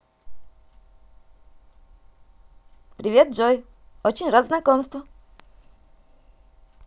привет джой очень рад знакомству